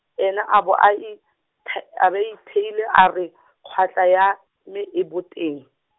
e na a bo a, ith-, a ba itheile a re , kgwatlha ya, me e boteng.